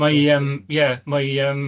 Mae yym ie mae yym.